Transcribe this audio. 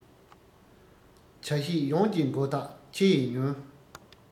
བྱ བྱེད ཡོངས ཀྱི མགོ ལྟག ཕྱེ ཡི ཉོན